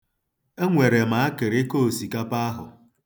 Enwere m akịrịkọ osikapa ahụ.